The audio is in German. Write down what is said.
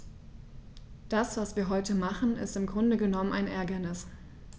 Das, was wir heute machen, ist im Grunde genommen ein Ärgernis.